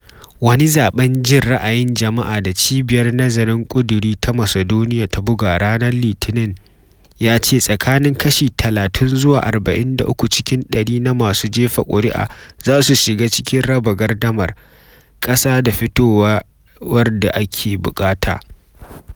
Wani zaɓen jin ra’ayin jama’a da Cibiyar Nazarin Ƙuduri ta Macedonia ta buga ranar Litinin ya ce tsakanin kashi 30 zuwa 43 cikin ɗari na masu jefa kuri’a za su shiga cikin raba gardamar - kasa da fitowar da ake buƙatar.